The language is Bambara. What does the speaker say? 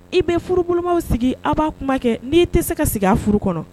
I be furubolomaw sigi a' b'a kuma kɛ n'i te se ka sig'a furu kɔnɔ